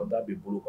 Da a b'i bolo kan